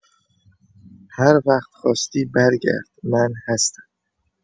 هر وقت خواستی برگرد من هستم